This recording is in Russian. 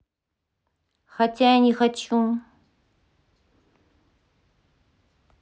хотя я не хочу